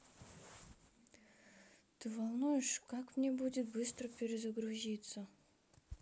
ты волнуешь как мне будет быстро перегрузиться